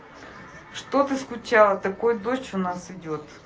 что ты скучала такой дождь у нас идет